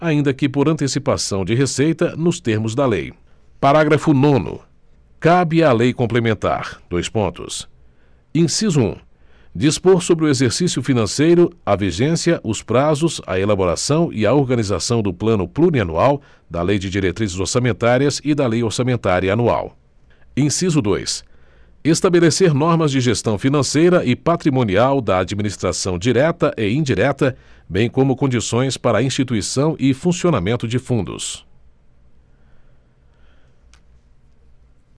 ainda que por antecipação de receita nos termos da lei parágrafo nono cabe à lei complementar dois pontos inciso um dispor sobre o exercício financeiro a vigência os prazos a elaboração e a organização do plano plurianual da lei de diretrizes orçamentárias e da lei orçamentária anual inciso dois estabelecer normas de gestão financeira e patrimonial da administração direta e indireta bem como condições para a instituição e funcionamento de fundos